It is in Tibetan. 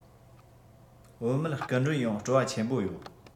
བུད མེད སྐུ མགྲོན ཡང སྤྲོ བ ཆེན པོ ཡོད